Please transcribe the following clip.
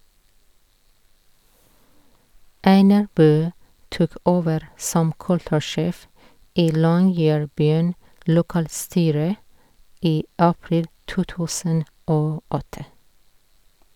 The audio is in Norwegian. Einar Buø tok over som kultursjef i Longyearbyen lokalstyre i april 2008.